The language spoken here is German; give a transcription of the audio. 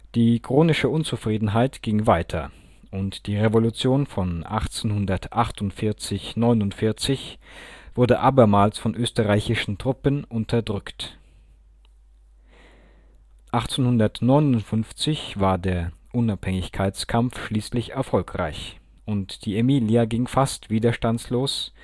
Die chronische Unzufriedenheit ging weiter und die Revolution von 1848 - 1849 wurde abermals von österreichischen Truppen unterdrückt. 1859 war der Unabhängigkeitskampf schließlich erfolgreich, und die Emilia ging fast widerstandslos